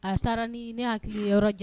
A taara nin ne hakili ye yɔrɔ jan